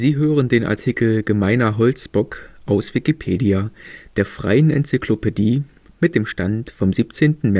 hören den Artikel Gemeiner Holzbock, aus Wikipedia, der freien Enzyklopädie. Mit dem Stand vom Der